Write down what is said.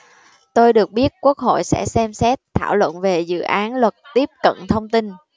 tôi được biết quốc hội sẽ xem xét thảo luận về dự án luật tiếp cận thông tin